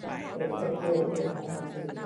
เปิดประตูห้องเก็บของให้ฉันที